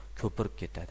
ko'pirib ketadi